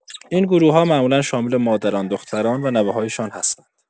این گروه‌ها معمولا شامل مادران، دختران و نوه‌هایشان هستند.